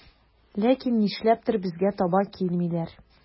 Ләкин нишләптер безгә таба килмиләр.